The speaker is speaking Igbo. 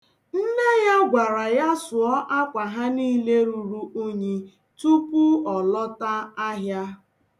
Nne ya gwara ya sụọ akwa ha niile ruru unyi tupu ọ lọta ahịa.